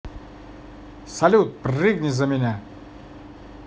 салют прыгни за меня